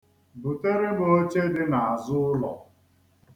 Azụụlọ ha dị ọcha.